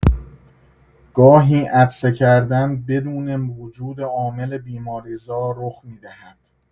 گاهی عطسه کردن بدون وجود عامل بیماری‌زا رخ می‌دهد.